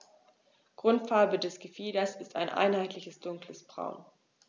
Grundfarbe des Gefieders ist ein einheitliches dunkles Braun.